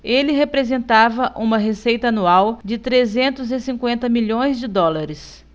ele representava uma receita anual de trezentos e cinquenta milhões de dólares